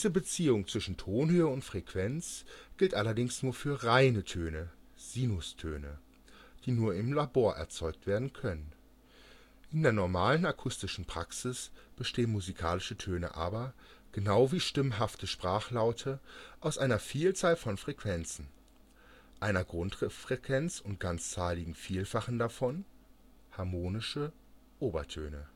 Beziehung zwischen Tonhöhe und Frequenz gilt allerdings nur für " reine " Töne (Sinustöne), die nur im Labor erzeugt werden können. In der normalen akustischen Praxis bestehen musikalische Töne aber, genau wie stimmhafte Sprachlaute, aus einer Vielzahl von Frequenzen: einer Grundfrequenz und ganzzahligen Vielfachen davon (Harmonische, Obertöne